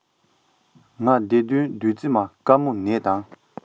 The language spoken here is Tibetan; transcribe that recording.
ང བདེ ལྡན བདུད རྩི མ དཀར མོ ནས དང